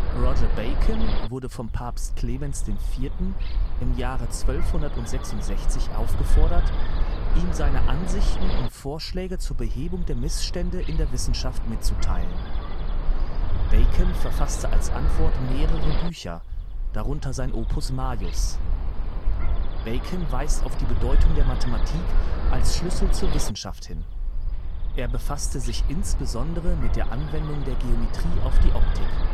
Roger Bacon wurde von Papst Clemens IV. im Jahre 1266 aufgefordert, ihm seine Ansichten und Vorschläge zur Behebung der Missstände in der Wissenschaft mitzuteilen. Bacon verfasste als Antwort mehrere Bücher, darunter sein Opus Maius. Bacon weist auf die Bedeutung der Mathematik als Schlüssel zur Wissenschaft hin; er befasste sich insbesondere mit der Geometrie angewendet auf die Optik